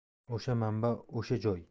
o'sha manba o'sha joy